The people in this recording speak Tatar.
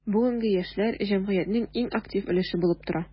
Бүгенге яшьләр – җәмгыятьнең иң актив өлеше булып тора.